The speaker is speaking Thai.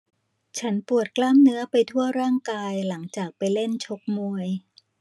ฉันปวดกล้ามเนื้อไปทั่วร่างกายหลังจากไปเล่นชกมวย